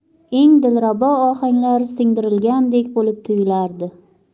eng dilrabo ohanglar singdirilgandek bo'lib tuyulardi